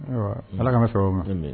Ala ka sɔrɔ ma kelen